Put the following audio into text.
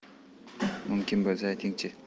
mumkin bo'lsa aytingchi